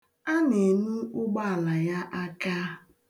A na-enu ụgbọala ya aka.